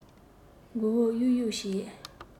མགོ བོ གཡུག གཡུག བྱེད